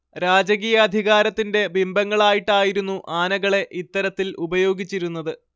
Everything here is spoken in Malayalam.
രാജകീയാധികാരത്തിന്റെ ബിംബങ്ങളായിട്ടായിരുന്നു ആനകളെ ഇത്തരത്തിൽ ഉപയോഗിച്ചിരുന്നത്